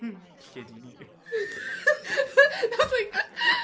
Lle dyn ni